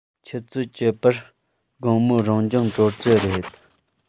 ཆུ ཚོད བཅུ པར དགོང མོའི རང སྦྱོང གྲོལ གྱི རེད